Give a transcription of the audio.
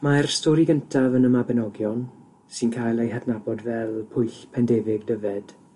Mae'r stori gyntaf yn y Mabinogion sy'n cael eu hadnabod fel Pwyll Pendefig Dyfed